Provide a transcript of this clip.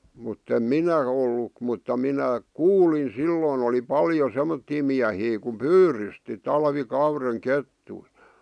mutta en minä ollut mutta minä kuulin silloin oli paljon semmoisia miehiä kun pyydysti talvikauden kettuja